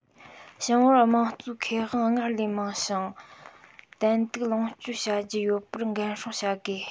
ཞིང པར དམངས གཙོའི ཁེ དབང སྔར ལས མང ཞིང ཏན ཏིག ལོངས སྤྱོད བྱ རྒྱུ ཡོད པར འགན སྲུང བྱ དགོས